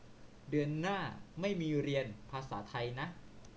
เดือนหน้าไม่มีเรียนภาษาไทยนะ